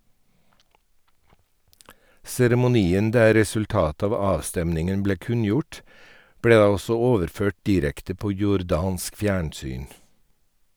Seremonien der resultatet av avstemningen ble kunngjort, ble da også overført direkte på jordansk fjernsyn.